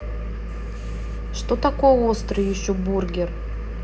что такое острый еще бургер